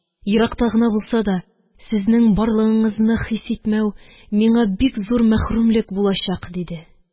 Еракта гына булса да, сезнең барлыгыңызны хис итмәү миңа бик зур мәхрүмлек булачак, – диде.